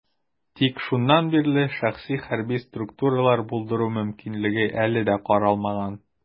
Тик шуннан бирле шәхси хәрби структуралар булдыру мөмкинлеге әле дә каралмаган.